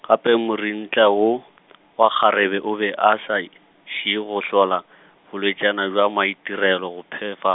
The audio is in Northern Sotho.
gape morentha woo , wa kgarebe o be a sa, šie go hlola, bolwetšana bja maitirelo go phefa.